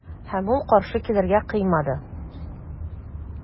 Һәм ул каршы килергә кыймады.